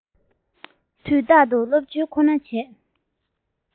དུས རྟག ཏུ སློབ བྱོལ ཁོ ན བྱས